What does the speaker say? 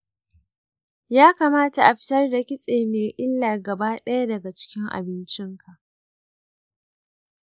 ya kamata a fitar da kitse mai illa gaba ɗaya daga cikin abincinka.